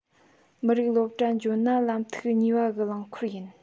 མི རིགས སློབ གྲྭ འགྱོ ན ལམ ཐིག གཉིས བ གི རླངས འཁོར ཡིན